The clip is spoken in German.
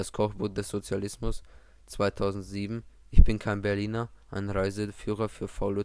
Kochbuch des Sozialismus. (2006) gebundene Ausgabe: ISBN 3-442-54610-9 Ich bin kein Berliner. Ein Reiseführer für faule